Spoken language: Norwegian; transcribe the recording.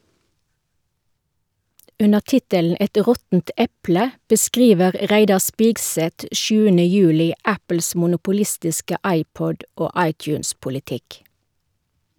Under tittelen "Et råttent eple" beskriver Reidar Spigseth 7. juli Apples monopolistiske iPod- og iTunes-politikk.